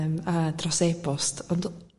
yym a dros e-bost ond